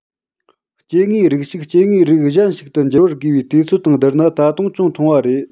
སྐྱེ དངོས རིགས ཤིག སྐྱེ དངོས རིགས གཞན ཞིག ཏུ འགྱུར བར དགོས པའི དུས ཚོད དང བསྡུར ན ད དུང ཅུང ཐུང བ རེད